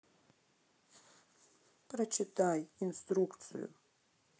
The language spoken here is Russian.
прочитай инструкцию